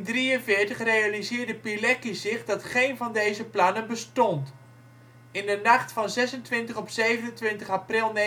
1943 realiseerde Pilecki zich dat geen van deze plannen bestond. In de nacht van 26-27 april 1943